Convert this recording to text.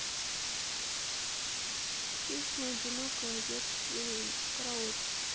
песня одинокая ветка сирени караоке